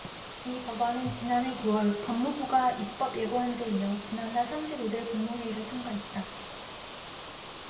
이 법안은 지난해 구 월 법무부가 입법예고한데 이어 지난달 삼십 일 일 국무회의를 통과했다